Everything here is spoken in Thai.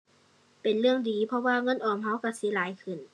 เป็นเรื่องดี เพราะว่าเงินออมเราเราสิหลายขึ้น